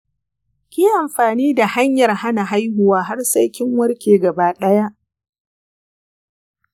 kiyi amfani da hanyar hana haihuwa har sai kin warke gaba ɗaya.